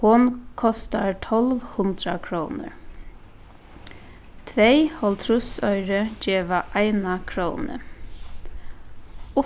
hon kostar tólv hundrað krónur tvey hálvtrýssoyru geva eina krónu